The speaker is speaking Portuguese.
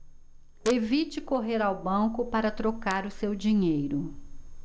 evite correr ao banco para trocar o seu dinheiro